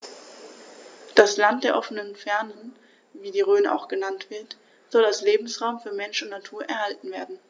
Das „Land der offenen Fernen“, wie die Rhön auch genannt wird, soll als Lebensraum für Mensch und Natur erhalten werden.